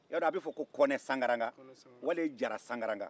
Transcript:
i y'a dɔn a bɛ fɔ ko kɔnɛ sankaranka wali jara sankaranka